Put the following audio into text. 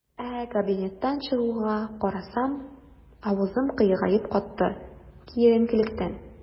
Ә кабинеттан чыгуга, карасам - авызым кыегаеп катты, киеренкелектән.